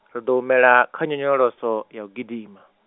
ri ḓo humela, kha nyonyoloso, ya u gidima.